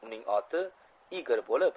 uning oti igor bo'lib